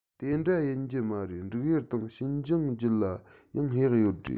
དེ འདྲ ཡིན གྱི མ རེད འབྲུག ཡུལ དང ཤིན ཅང རྒྱུད ལ ཡང གཡག ཡོད རེད